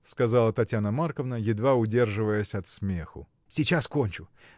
— сказала Татьяна Марковна, едва удерживаясь от смеху. — Сейчас кончу.